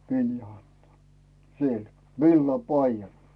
Viljo antoi siellä villapaidan